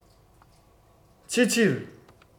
ཕྱི ཕྱིར